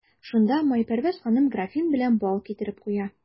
Шунда Майпәрвәз ханым графин белән бал китереп куя.